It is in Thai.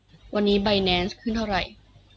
วันนี้ไบแนนซ์ขึ้นเท่าไหร่